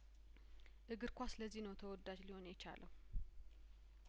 እግር ኳስ ለዚህ ነው ተወዳጅ ሊሆን የቻለው